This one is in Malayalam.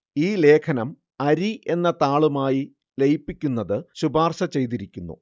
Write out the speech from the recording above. ഈ ലേഖനം അരി എന്ന താളുമായി ലയിപ്പിക്കുന്നത് ശുപാർശ ചെയ്തിരിക്കുന്നു